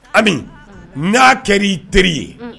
Ami n'a kɛra i teri ye